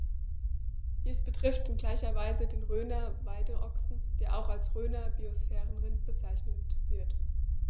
Dies betrifft in gleicher Weise den Rhöner Weideochsen, der auch als Rhöner Biosphärenrind bezeichnet wird.